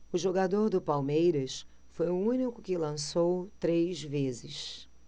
o jogador do palmeiras foi o único que lançou três vezes